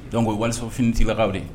Donc o ye wali sɔn fini ci bagaw de ye